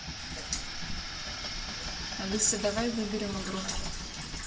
алиса давай выберем игру